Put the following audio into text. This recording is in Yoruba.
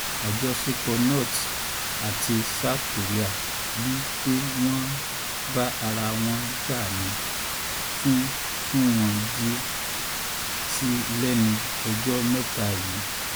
Àjọṣẹpọ̀ North àti South Korea – bíi pé wọ́n ń bá ara wọn jà ni – tún sunwọ̀n díẹ̀ si lẹ́nu ọjọ́ mẹ́ta yìí.